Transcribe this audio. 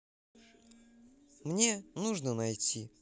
мне нужно найти